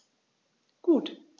Gut.